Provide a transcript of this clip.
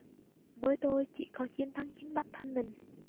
với tôi chỉ có chiến thắng chính bản thân mình